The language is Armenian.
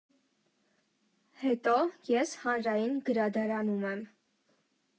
Հետո ես հանրային գրադարանում եմ։